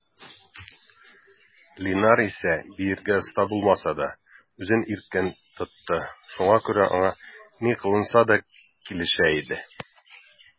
Линар исә, биергә оста булмаса да, үзен иркен тотты, шуңа күрә аңа ни кыланса да килешә иде.